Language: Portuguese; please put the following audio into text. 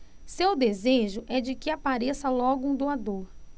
seu desejo é de que apareça logo um doador